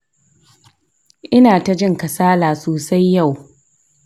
inata jin kasala sosai yau